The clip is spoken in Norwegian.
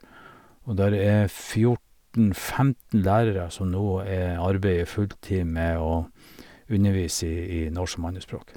Og der er fjorten femten lærere som nå e arbeider fulltid med å undervise i i norsk som andrespråk.